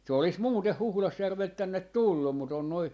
se olisi muuten Huhdasjärveltä tänne tullut mutta on noin